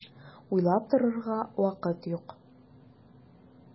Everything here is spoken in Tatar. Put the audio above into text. Уйлап торырга вакыт юк!